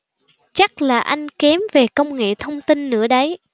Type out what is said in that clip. chắc là anh kém về công nghệ thông tin nữa đấy